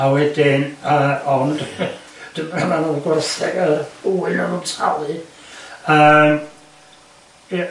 A wedyn yy ond dwi'n ama mai gwartheg yy ŵyn o'dd yn talu yym